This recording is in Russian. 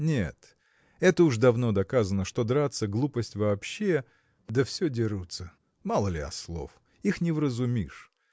– Нет: это уж давно доказано, что драться – глупость вообще да все дерутся мало ли ослов? их не вразумишь.